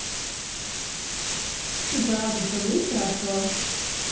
и правда все будет хорошо